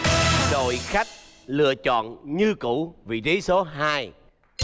đội khách lựa chọn như cũ vị trí số hai